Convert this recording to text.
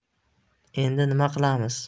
endi nima qilamiz